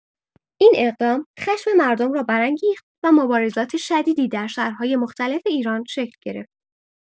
این اقدام خشم مردم را برانگیخت و مبارزات شدیدی در شهرهای مختلف ایران شکل گرفت.